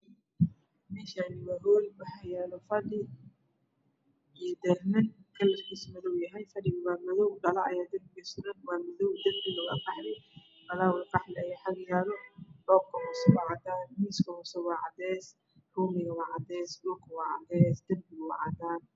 Meshani waa hool waxa yaalo fadhi iyo daahman kalarkisa madow yahy fadhiga waa madow dhalo aya darbiga suran waa madow darbiga waa qaxwe falaawer qaxwe aya xaga yaalo kobka hose waa cadaan miska hose waa cadees